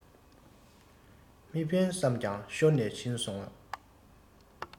མི འཕེན བསམ ཀྱང ཤོར ནས ཕྱིན སོང བས